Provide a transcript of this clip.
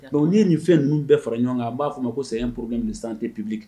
Bon n' ye nin fɛn ninnu bɛɛ fara ɲɔgɔn kan a b'a fɔ ko saya purkɛ minɛ san tɛ pepibi